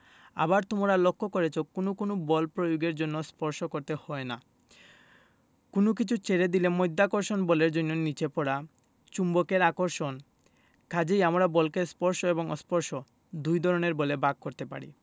আবার তোমরা লক্ষ করেছ কোনো কোনো বল প্রয়োগের জন্য স্পর্শ করতে হয় না কোনো কিছু ছেড়ে দিলে মধ্যাকর্ষণ বলের জন্য নিচে পড়া চুম্বকের আকর্ষণ কাজেই আমরা বলকে স্পর্শ এবং অস্পর্শ দুই ধরনের বলে ভাগ করতে পারি